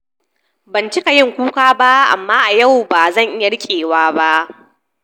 Ban cika yin kuka ba amma a yau ba zan iya rikewa ba.